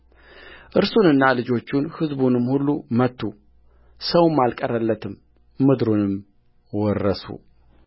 እርሱንና ልጆቹን ሕዝቡንም ሁሉ መቱ ሰውም አልቀረለትም ምድሩንም ወረሱ